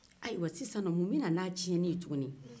ayiwa sisan nɔn mun bɛ na n'a tiɲɛni ye